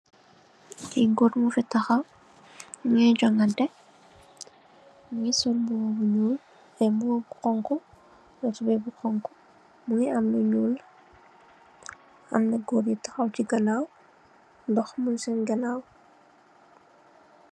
Fi gór mo fii taxaw mugèè jongateh mugii sol mbuba bu xonxu ak tubay bu xonxu mugii am lu ñuul. Am gór yu taxaw si ganaw , ndox mun sèèn ganaw.